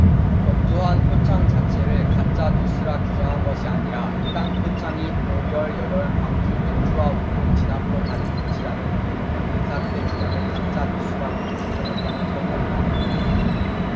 전두환 표창 자체를 가짜 뉴스라 규정한 것이 아니라 해당 표창이 오 열 여덟 광주민주화 운동 진압으로 받은 것이라는 일부 인사들의 주장을 가짜 뉴스라고 규정했다는 설명이다